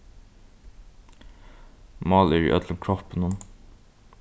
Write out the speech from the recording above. mál er í øllum kroppinum